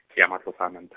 ya Matlosana nt-.